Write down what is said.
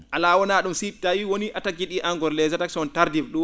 alaa wonaa ?um si tawii wonii attaque ji ?ii encore les attaques sont tardive